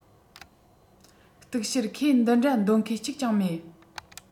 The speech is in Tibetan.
གཏུག བཤེར ཁས འདི འདྲ འདོད མཁན གཅིག ཀྱང མེད